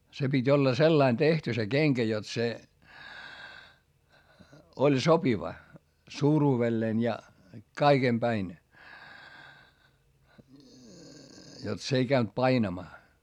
se piti olla sellainen tehty se kenkä jotta se oli sopiva suuruudelleen ja kaiken päin jotta se ei käynyt painamaan